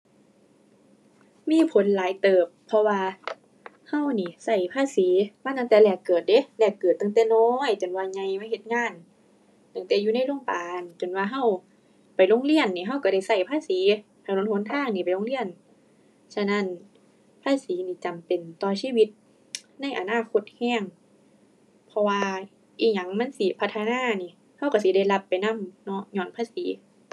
มีผลหลายเติบ เพราะว่าเรานี่เราภาษีมาตั้งแต่แรกเกิดเดะ แรกเกิดตั้งแต่น้อยจนว่าใหญ่มาเฮ็ดงาน ตั้งแต่อยู่ในโรงบาล จนว่าเราไปโรงเรียนนี่ เราเราได้เราภาษีถนนหนทางนี่ไปโรงเรียน ฉะนั้นภาษีนี่จำเป็นต่อชีวิตในอนาคตเรา เพราะว่าอิหยังมันสิพัฒนานี่เราเราสิได้รับไปนำเนาะ ญ้อนภาษี